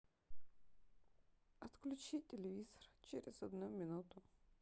отключи телевизор через одну минуту